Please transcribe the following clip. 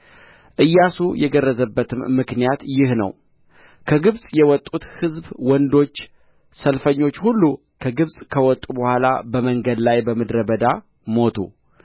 ኢያሱ የገረዘበትም ምክንያት ይህ ነው ከግብፅ የወጡት ሕዝብ ወንዶች ሰልፈኞች ሁሉ ከግብፅ ከወጡ በኋላ በመንገድ ላይ በምድረ በዳ ሞቱ